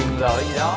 lợi gì đó